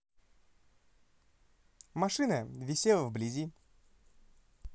машина весела вблизи